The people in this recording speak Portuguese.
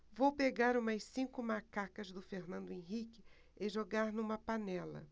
vou pegar umas cinco macacas do fernando henrique e jogar numa panela